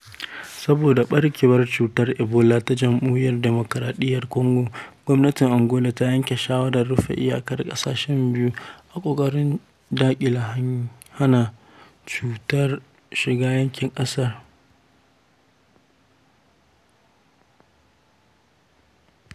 Saboda sake ɓarkewar cutar ebola a Jamhuriyar Dimokradiyyar Kwango, gwamnatin Angola ta yanke shawarar rufe iyakar ƙasashen biyu, a ƙoƙarin daƙile hana cutar mai haɗari shiga yankin ƙasar.